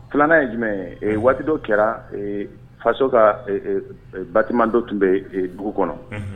Filanan ye jumɛn waati dɔ kɛra fasoso ka batiman dɔ tun bɛ dugu kɔnɔ